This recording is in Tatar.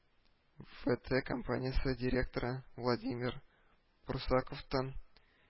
Вэтэ компаниясе директоры владимир прусаковтан